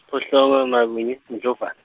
siphohlongo nakunye iNdlovan-.